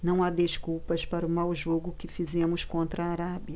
não há desculpas para o mau jogo que fizemos contra a arábia